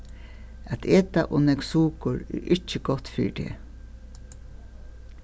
at eta ov nógv sukur er ikki gott fyri teg